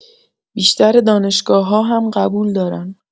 بیشتر دانشگاه‌‌ها هم قبول دارن.